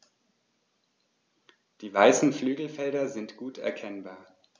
Die weißen Flügelfelder sind gut erkennbar.